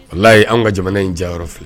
Alayi an ka jamana in diya yɔrɔ filɛ.